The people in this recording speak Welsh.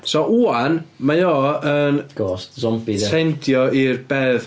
So ŵan mae o yn... Ghost, Zombie... tendio i'r bedd.